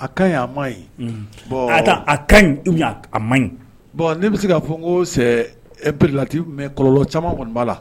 a ka ɲi a ma ɲi ka a man ɲi bɔn ne bɛ se k' fɔ n ko sɛlati mɛ kɔlɔ caman kɔni b'a la